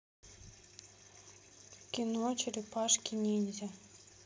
кино черепашки ниндзя